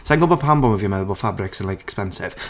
Sa i'n gwbod pam bo' fi'n meddwl bo' fabrics yn like, expensive.